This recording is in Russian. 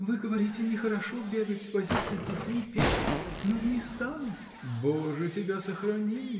— Вы говорите: нехорошо бегать, возиться с детьми, петь — ну, не стану. — Боже тебя сохрани!